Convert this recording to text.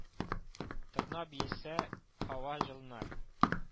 Торна биесә, һава җылыныр